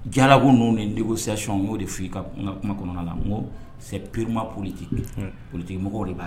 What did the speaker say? Jaa ko n' ni sayɔn'o de f i ka n ka kuma kɔnɔna la ko sɛ pererimaoli k poli mɔgɔ de b'a